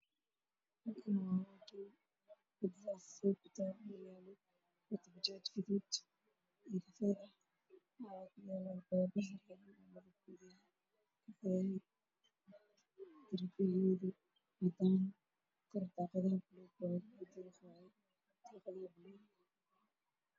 Halkaan waxaa ka muuqdo dabaq cadaan ah midabka daaqadaha waa buluug albaabada waa guduud waxaana hoos taagan bajaaj guduud ah